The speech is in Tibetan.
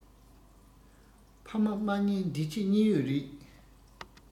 ཕ མ མ མཉེས འདི ཕྱི གཉིས ཡོད རེད